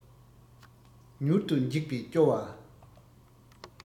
མྱུར དུ འཇིག པས སྐྱོ བ